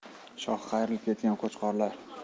shoxi qayrilib ketgan qo'chqorlar